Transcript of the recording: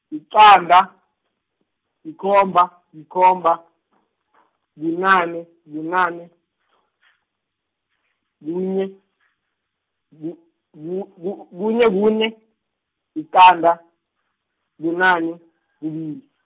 yiqanda, yikomba, likhomba , bunane, bunane, kunye, ku- ku- ku- kunye, kunye, yiqanda, bunane, kubili.